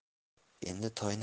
endi toyni hech